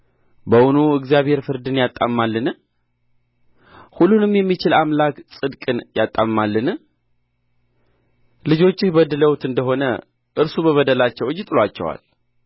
በውኑ እግዚአብሔር ፍርድን ያጣምማልን ሁሉንም የሚችል አምላክ ጽድቅን ያጣምማልን ልጆችህ በድለውት እንደ ሆነ እርሱ በበደላቸው እጅ ጥሎአቸዋል